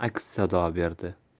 aks sado berdi